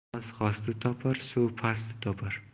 xos xosni topar suv pastni topar